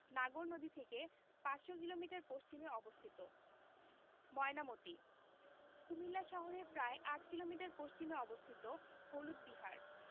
নাগর নদী থেকে ৫০০ মিটার পশ্চিমে অবস্থিত ময়নামতি কুমিল্লা শহরের প্রায় ৮ কিলোমিটার পশ্চিমে অবস্থিত হলুদ বিহার